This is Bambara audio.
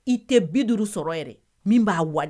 I te 50 sɔrɔ yɛrɛ min b'a wal